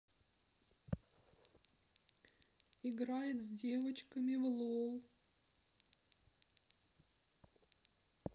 играет с девочками в лол